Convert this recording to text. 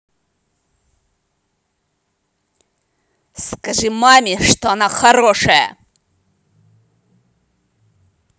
скажи маме что она хорошая